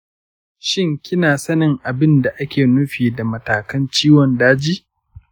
shin kina sanin abin da ake nufi da matakan ciwon daji?